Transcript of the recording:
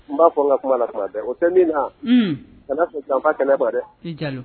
N b'a fɔ n ka kuma na tuma bɛɛ o tɛ min na, un, kana sɔn janfa kɛlɛ ma dɛ, i Jalo